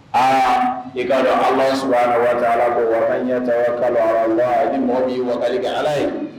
Aa i ka ala su waati ala ko ɲɛtaka ala mɔgɔ bɛ kɛ ala ye